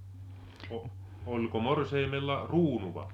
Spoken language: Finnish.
oliko morsiamella kruunua